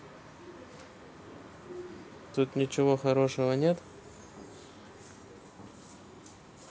тут ничего хорошего нет